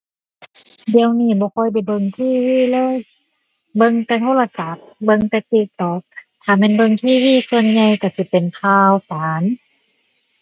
เดี๋ยวนี้บ่ค่อยได้เบิ่ง TV เลย เบิ่งแต่โทรศัพท์ เบิ่งแต่ TikTok ถ้าแม่นเบิ่ง TV ส่วนใหญ่ก็สิเป็นข่าวสาร